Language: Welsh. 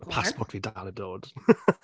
Passport fi dal heb dod